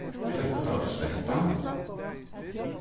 fletta og sletta